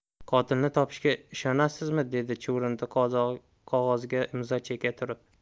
qotilni topishga ishonasizmi dedi chuvrindi qog'ozga imzo cheka turib